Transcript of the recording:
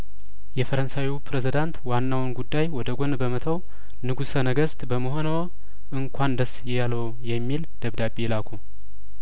የፈረንሳዩ ፕሬዚዳንት ዋናውን ጉዳይ ወደ ጐን በመተው ንጉሰነገስት በመሆንዎ እንኳን ደስ ያለዎ የሚል ደብዳቤ ላኩ